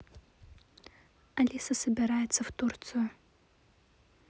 алиса собирается в турцию